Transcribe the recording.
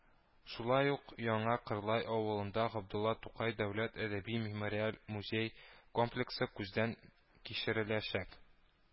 Шулай ук Яңа Кырлай авылында Габдулла Тукай дәүләт әдәби-мемориаль музей комплексы күздән кичереләчәк